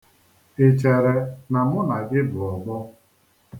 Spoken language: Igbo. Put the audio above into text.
I chere na mụ na gị bụ ọgbọ?